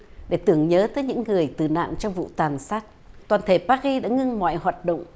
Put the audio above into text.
để tưởng nhớ tới những người tử nạn trong vụ tàn sát toàn thể pa ri đã ngưng mọi hoạt động